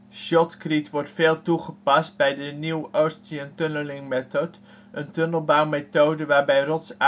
Shotcrete wordt veel toegepast bij de NATM, een tunnelbouwmethode waarbij rots